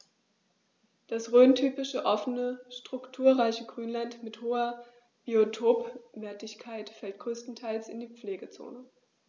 Das rhöntypische offene, strukturreiche Grünland mit hoher Biotopwertigkeit fällt größtenteils in die Pflegezone.